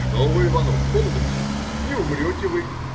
-- Что вы, Иванов, полноте! Не умрете вы.